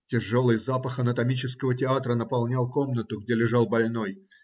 Тяжелый запах анатомического театра наполнял комнату, где лежал больной.